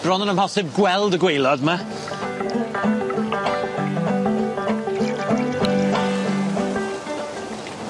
Bron yn amhosib gweld y gwaelod 'my.